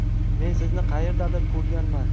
men sizni qayerdadir ko'rganman